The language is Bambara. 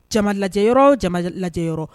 Ca lajɛ cɛ lajɛ